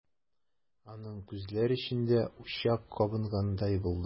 Аның күзләр эчендә учак кабынгандай булды.